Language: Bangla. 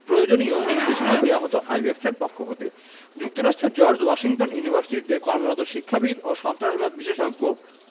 প্রয়োজনীয় নির্দেশনাও দেওয়া হতো আইব্যাকসের পক্ষ থেকে যুক্তরাষ্ট্রের জর্জ ওয়াশিংটন ইউনিভার্সিটিতে কর্মরত শিক্ষাবিদ ও সন্ত্রাসবাদ বিশেষজ্ঞ